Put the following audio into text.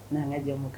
N'an ka jamumu kan